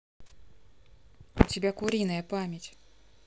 у тебя куриная память